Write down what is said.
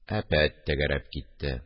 Әпәт тәгәрәп китте